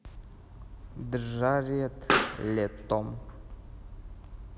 джаред лето